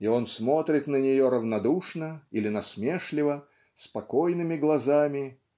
и он смотрит на нее равнодушно или насмешливо спокойными глазами